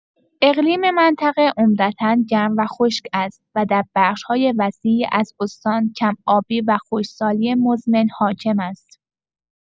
اقلیم منطقه عمدتا گرم و خشک است و در بخش‌های وسیعی از استان، کم‌آبی و خشکسالی مزمن حاکم است.